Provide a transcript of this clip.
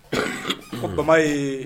Ko bama ye